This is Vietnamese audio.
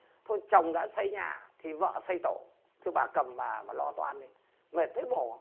thôi chồng đã xây nhà thì vợ xây tổ thưa bà cẩm bà lo toan đi mệt thấy mồ